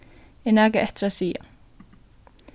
er nakað eftir at siga